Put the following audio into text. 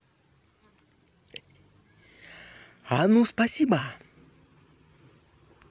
а ну спасибо